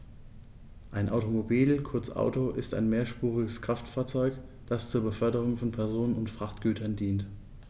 Ein Automobil, kurz Auto, ist ein mehrspuriges Kraftfahrzeug, das zur Beförderung von Personen und Frachtgütern dient.